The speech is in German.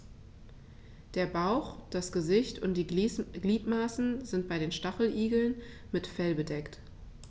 Der Bauch, das Gesicht und die Gliedmaßen sind bei den Stacheligeln mit Fell bedeckt.